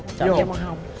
chọn cho em màu hồng